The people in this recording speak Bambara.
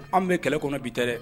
An bɛɛ kɛlɛ kɔnɔ bi tɛ dɛ